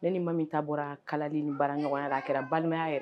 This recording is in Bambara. Ne ni Mami ta bɔra kalani ni baara ɲɔgɔnya la, a kɛra balimaya yɛ